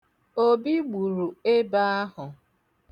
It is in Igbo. Obi gburu ebe ahụ.